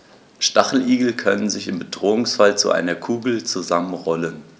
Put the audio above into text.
Stacheligel können sich im Bedrohungsfall zu einer Kugel zusammenrollen.